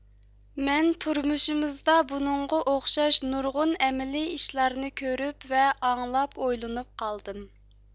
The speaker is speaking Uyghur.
مەن تۇرمۇشىمىزدا بۇنىڭغا ئوخشاش نۇرغۇن ئەمەلىي ئىشلارنى كۆرۈپ ۋە ئاڭلاپ ئويلىنىپ قالدىم